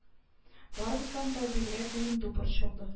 Барыбыздан да бигрәк гыйнду борчылды